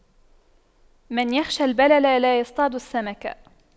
من يخشى البلل لا يصطاد السمك